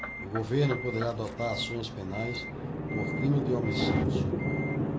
o governo poderá adotar ações penais por crime de omissão de socorro